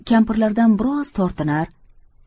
kampirlardan biroz tortinar